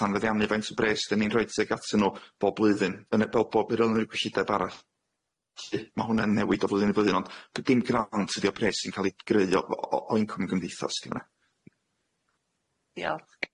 tan fyddi amni faint o bres dyn ni'n rhoid tuag atyn nw bob blwyddyn yn e- fel bob yr unryw gwellideb arall lly ma' hwnna'n newid o flwyddyn i flwyddyn ond d- dim grant ydi o bres sy'n ca'l i greu o- o'n gymdeithas ydi hwne. Diolch.